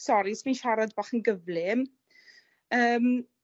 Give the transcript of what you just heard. sori os fi'n siarad bach yn gyflym. Yym.